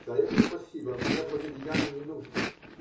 За это спасибо, мне благодеяний не нужно.